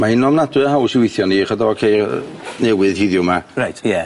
Mai'n ofnadwy o haws i wiithio i arni ch'od o ceir yy newydd hiddiw 'ma. Reit, ie.